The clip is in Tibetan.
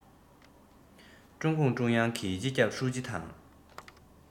ཀྲུང གུང ཀྲུང དབྱང གི སྤྱི ཁྱབ ཧྲུའུ ཅི དང